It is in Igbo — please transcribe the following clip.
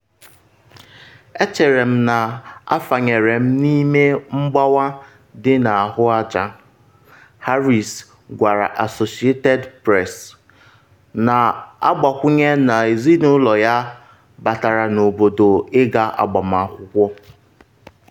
Echere m na afanyere m n’ime mgbawa dị n’ahụ aja, Harris gwara Associated Press, na-agbakwunye n’ezinụlọ ya batara n’obodo ịga agbamakwụkwọ.